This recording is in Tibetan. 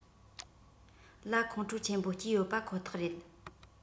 ལ ཁོང ཁྲོ ཆེན པོ སྐྱེས ཡོད པ ཁོ ཐག རེད